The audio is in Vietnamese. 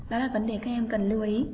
vấn đề các em cần lưu ý